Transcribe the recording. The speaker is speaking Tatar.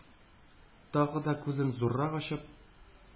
Тагы да күзен зуррак ачып,